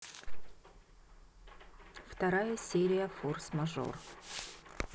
вторая серия форс мажор